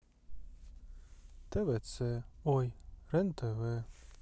твц ой рен тв